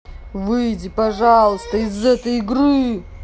выйди пожалуйста из этой игры